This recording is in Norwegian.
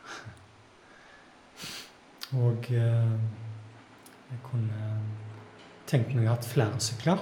Og jeg kunne tenkt meg å hatt flere sykler.